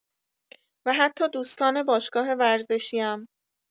و حتی دوستان باشگاه ورزشی‌ام